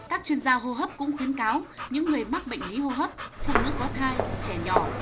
các chuyên gia hô hấp cũng khuyến cáo những người mắc bệnh lý hô hấp phụ nữ có thai trẻ nhỏ